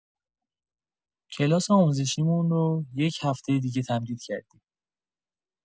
کلاس آموزشیمون رو یک هفته دیگه تمدید کردیم.